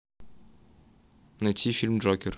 найти фильм джокер